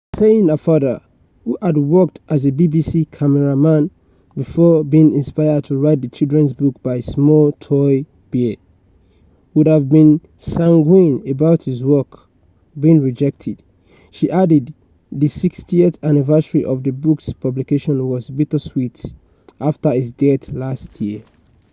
Saying her father, who had worked as a BBC cameraman before being inspired to write the children's book by a small toy bear, would have been sanguine about his work being rejected, she added the 60th anniversary of the books publication was "bittersweet" after his death last year.